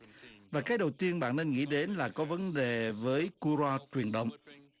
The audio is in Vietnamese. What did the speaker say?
và cái đầu tiên bạn nên nghĩ đến là có vấn đề với cu ro truyền động